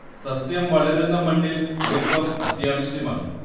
സസ്യം വളരുന്ന മണ്ണിൽ ഈർപ്പം അത്യാവശ്യമാണ്